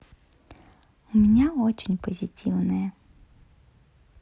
у меня очень позитивное